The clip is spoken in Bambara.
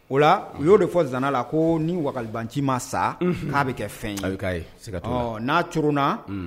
O la u y'o de fɔ zan a la ko ni wagalebanci ma sa k'a bɛ kɛ fɛn ye, a bɛ k'&ye, n'a tunun na